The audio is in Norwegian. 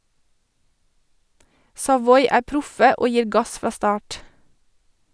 Savoy er proffe, og gir gass fra start.